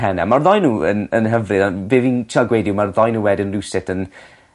pen e. Ma'r ddou n'w yn yn hyfryd on' be' fi'n trial gweud yw ma'r ddou o n'w wedyn rywsut yn